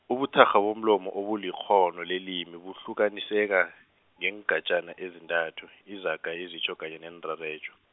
ubuthakgha bomlomo obulikghono lelimi buhlukaniseka, iingatjana ezintathu, izaga, izitjho, kanye neenrarejo.